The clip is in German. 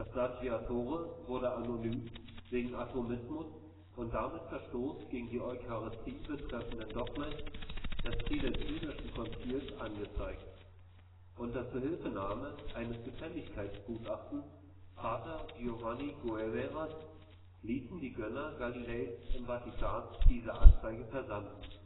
Saggiatore wurde anonym wegen Atomismus und damit Verstoß gegen die die Eucharistie betreffenden Dogmen des tridentinischen Konzils angezeigt. Unter Zuhilfenahme eines Gefälligkeitsgutachtens Pater Giovanni Guevaras ließen die Gönner Galileis im Vatikan diese Anzeige versanden